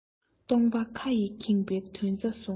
སྟོང པ ཁ ཡིས ཁེངས པའི དོན རྩ བཟུང